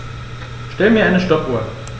Stell mir eine Stoppuhr.